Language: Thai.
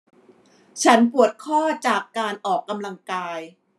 ฉันปวดข้อจากการออกกำลังกาย